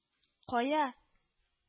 - кая